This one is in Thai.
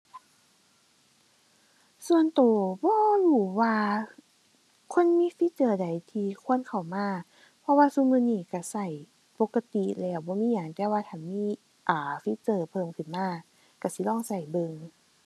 ส่วนตัวบ่รู้ว่าควรมีฟีเจอร์ใดที่ควรเข้ามา เพราะว่าซุมื้อนี้ตัวตัวปกติแล้ว บ่มีหยัง แต่ว่าถ้ามี อ่า ฟีเจอร์เพิ่มขึ้นมาตัวสิลองตัวเบิ่ง